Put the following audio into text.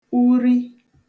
uri